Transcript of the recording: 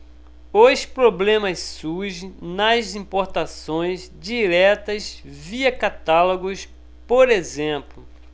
os problemas surgem nas importações diretas via catálogos por exemplo